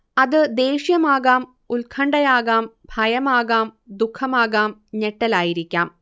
അത് ദേഷ്യമാകാം ഉൽകണ്ഠയാകാം ഭയമാകാം ദുഃഖമാകാം ഞെട്ടലായിരിക്കാം